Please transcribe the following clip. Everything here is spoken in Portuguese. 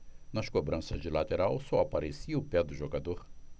nas cobranças de lateral só aparecia o pé do jogador